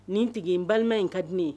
Nin tigi n balima in ka di ne ye